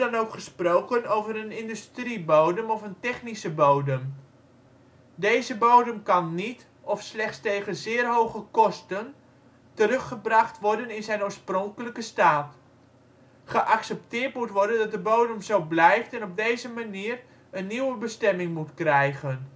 gesproken over een “industriebodem” of een “technische bodem ". Deze bodem kan niet, of slechts tegen zeer hoge kosten, teruggebracht worden in zijn oorspronkelijke staat. Geaccepteerd moet worden dat de bodem zo blijft en op deze manier een nieuwe bestemming moet krijgen